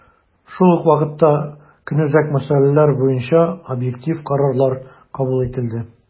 Шул ук вакытта, көнүзәк мәсьәләләр буенча объектив карарлар кабул ителде.